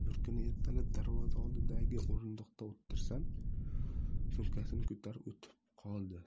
bir kuni ertalab darvoza oldidagi skameykada o'tirsam sumkasini ko'tarib o'tib qoldi